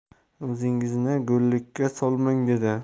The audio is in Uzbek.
o'zingizni go'llikka solmang dedi